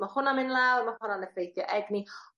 ma' hwnna'n myn' lawr ma' hwnna'n effeithio egni